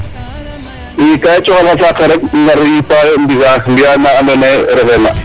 II ka cooxel xa saax xe rek ngar yipaayo, mbisaa, mbi'aa na andoona yee refee na.